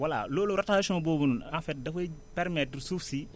voilà loolu rotation boobu en fait dafay permettre suuf si